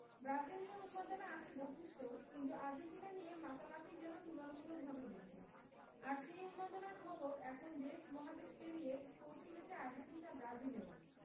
Brazil নিয়েও উন্মাদনা আছে যথেষ্ট কিন্তু আর্জেন্টিনা নিয়ে মাতামাতিই যেন তুলনামূলকভাবে বেশি আর সেই উন্মাদনার খবর এখন দেশ মহাদেশ পেরিয়ে পৌঁছে গেছে আর্জেন্টিনা ব্রাজিলেও